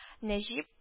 Нәҗип